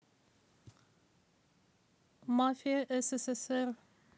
мафия ссср